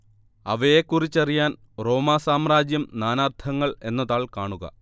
അവയെക്കുറിച്ചറിയാൻ റോമാ സാമ്രാജ്യം നാനാർത്ഥങ്ങൾ എന്ന താൾ കാണുക